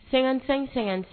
55 55